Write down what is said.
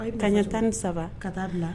Kaɲɛ tan ni saba ka taa bila